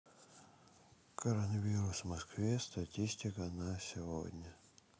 коронавирус в москве статистика на сегодня